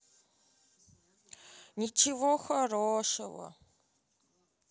ничего хорошего